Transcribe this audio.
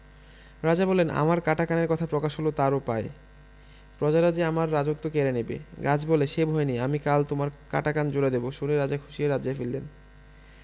রাজা বললেন আমার কাটা কানের কথা প্রকাশ হল তার উপায় প্রজারা যে আমার রাজত্ব কেড়ে নেবে গাছ বলে সে ভয় নেই আমি কাল তোমার কাটা কান জোড়া দেব শুনে রাজা খুশি হয়ে রাজ্যে ফিরলেন